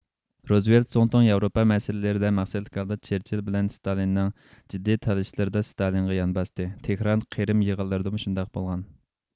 روزۋېلت زۇڭتۇڭ ياۋروپا مەسىلىلىرىدە مەقسەتلىك ھالدا چېرچىل بىلەن ستالىننىڭ جىددىي تالىشىشلىرىدا سىتالىنغا يان باساتتى تېھران قىرىم يىغىنلىرىدىمۇ شۇنداق بولغان